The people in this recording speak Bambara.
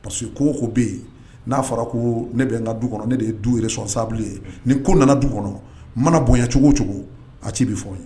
Parce que ko ko bɛ yen n'a fɔra ko ne bɛ n ka du kɔnɔ ne de ye du yɛrɛ sɔ sabilen nin ko nana du kɔnɔ mana bonyacogo o cogo a ci bɛ fɔ ye